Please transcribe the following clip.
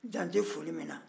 dantɛ foli min na